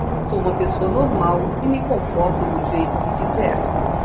sou homossexual e me comporto do jeito que quiser